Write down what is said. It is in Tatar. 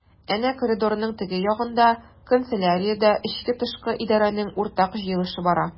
Әнә коридорның теге ягында— канцеляриядә эчке-тышкы идарәнең уртак җыелышы бара.